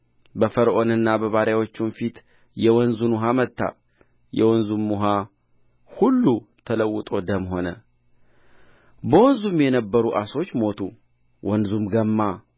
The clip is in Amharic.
በፈርዖንና በባሪያዎቹም ፊት የወንዙን ውኃ መታ የወንዙም ውኃ ሁሉ ተለውጦ ደም ሆነ በወንዙም የነበሩ ዓሦች ሞቱ ወንዙም ገማ